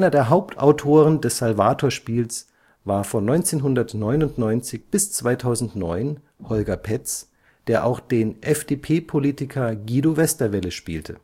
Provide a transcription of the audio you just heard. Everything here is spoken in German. der Hauptautoren des Salvatorspiels war von 1999 bis 2009 Holger Paetz, der auch den FDP-Politiker Guido Westerwelle spielte